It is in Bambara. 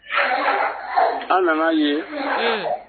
An nana' a ye